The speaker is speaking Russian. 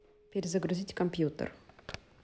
николас кейдж мем